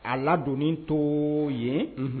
A ladonni too yen unhun